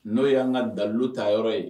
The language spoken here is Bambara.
N'o y'an ka dalu ta yɔrɔ ye